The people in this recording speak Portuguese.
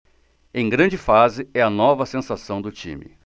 em grande fase é a nova sensação do time